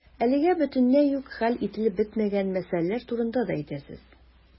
Әлегә бөтенләй үк хәл ителеп бетмәгән мәсьәләләр турында да әйтәсез.